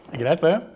er greit det.